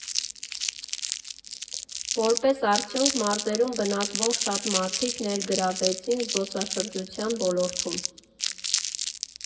Որպես արդյունք մարզերում բնակվող շատ մարդիկ ներգրավվեցին զբոսաշրջության ոլորտում։